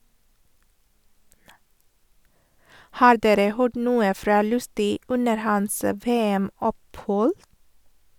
- Har dere hørt noe fra Lustü under hans VM-opphold?